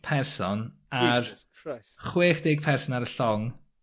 person ar... Jesus Christ. ...chwech deg person ar y llong